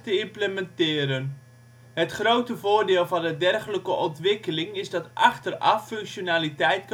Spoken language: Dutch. implementeren. Het grote voordeel van een dergelijke ontwikkeling is dat achteraf functionaliteit